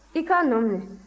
i k'a nɔ minɛ